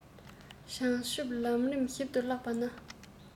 བྱང ཆུབ ལམ རིམ ཞིབ ཏུ བཀླགས པ ན